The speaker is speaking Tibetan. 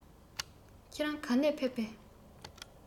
ཁྱེད རང ག ནས ཕེབས པས